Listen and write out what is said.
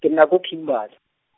ke nna ko Kimberley.